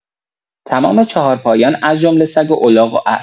تمام چهارپایان از جمله سگ و الاغ و اسب